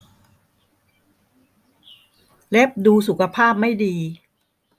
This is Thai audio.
เล็บดูสุขภาพไม่ดี